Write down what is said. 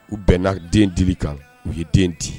U bɛnna den dili kan u ye den di